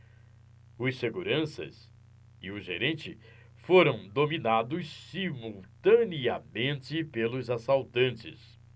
os seguranças e o gerente foram dominados simultaneamente pelos assaltantes